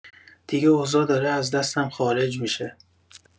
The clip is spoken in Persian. دیگه اوضاع داره از دستم خارج می‌شه.